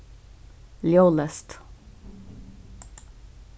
ljóðleyst